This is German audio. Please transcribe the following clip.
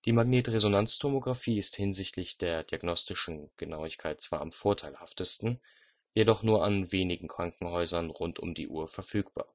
Magnetresonanztomografie ist hinsichtlich der diagnostischen Genauigkeit zwar am vorteilhaftesten, jedoch nur an wenigen Krankenhäusern rund um die Uhr verfügbar